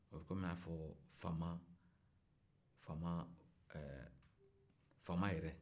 o bɛ kɔm'inafɔ fama yɛrɛ